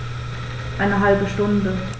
Eine halbe Stunde